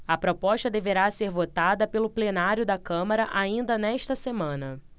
a proposta deverá ser votada pelo plenário da câmara ainda nesta semana